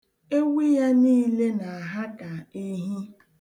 Ewu ya niile na-aha ka ehi.